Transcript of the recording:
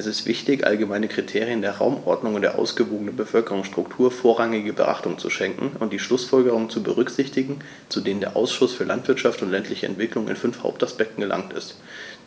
Es ist wichtig, allgemeinen Kriterien der Raumordnung und der ausgewogenen Bevölkerungsstruktur vorrangige Beachtung zu schenken und die Schlußfolgerungen zu berücksichtigen, zu denen der Ausschuss für Landwirtschaft und ländliche Entwicklung in fünf Hauptaspekten gelangt ist,